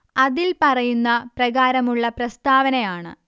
അതിൽ പറയുന്ന പ്രകാരമുള്ള പ്രസ്താവനയാണ്